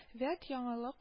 Вәт яңалык